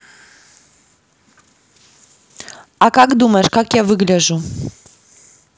а как думаешь как я выгляжу